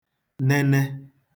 nene